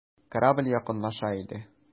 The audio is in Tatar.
Корабль якынлаша иде.